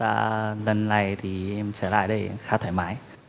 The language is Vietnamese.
dạ lần này thì em trở lại đây khá thoải mái